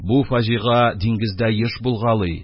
Бу фаҗига диңгездә еш булгалый: